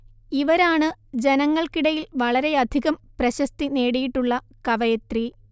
ഇവരാണ് ജനങ്ങൾക്കിടയിൽ വളരെയധികം പ്രശസ്തി നേടിയിട്ടുള്ള കവയിത്രി